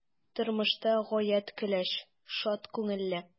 Тормышта гаять көләч, шат күңелле.